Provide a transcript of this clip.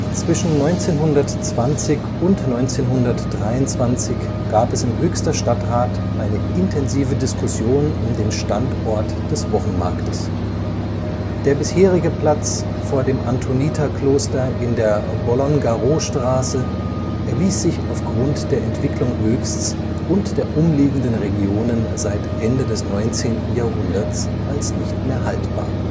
Zwischen 1920 und 1923 gab es im Höchster Stadtrat eine intensive Diskussion um den Standort des Wochenmarktes. Der bisherige Platz vor dem Antoniterkloster in der Bolongarostraße erwies sich aufgrund der Entwicklung Höchsts und der umliegenden Regionen seit Ende des 19. Jahrhunderts als nicht mehr haltbar